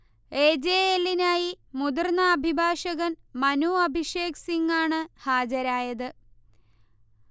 A. J. എല്ലിനായി മുതിർന്ന അഭിഭാഷകൻ മനു അഭിഷേക് സിങ്ങാണ് ഹാജരായത്